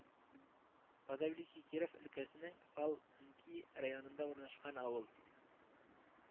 Подоплеки Киров өлкәсенең Фал энки районында урнашкан авыл